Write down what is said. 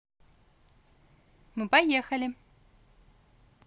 мы поехали